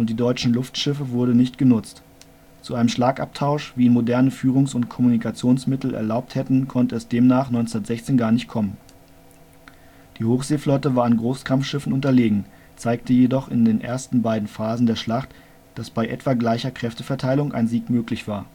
deutschen Luftschiffe wurde nicht genutzt. Zu einem Schlagabtausch, wie ihn moderne Führungs - und Kommunikationsmittel erlaubt hätten, konnte es demnach 1916 gar nicht kommen. Die Hochseeflotte war an Großkampfschiffen unterlegen, zeigte jedoch in den ersten beiden Phasen der Schlacht, dass bei etwa gleicher Kräfteverteilung ein Sieg möglich war